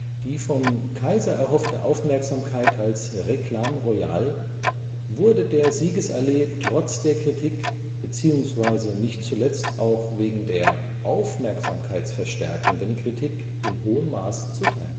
Die vom Kaiser erhoffte Aufmerksamkeit als Réclame Royale wurde der Siegesallee trotz der Kritik beziehungsweise nicht zuletzt auch wegen der – aufmerksamkeitsverstärkenden – Kritik in hohem Maß zuteil